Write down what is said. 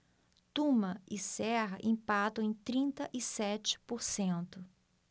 tuma e serra empatam em trinta e sete por cento